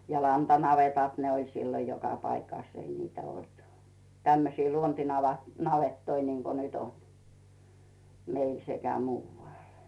ja lantanavetat ne oli silloin joka paikassa ei niitä ollut tämmöisiä - luontinavettoja niin kuin nyt on meillä sekä muualla